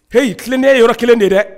Ee i tilennen ye yɔrɔ kelen de dɛ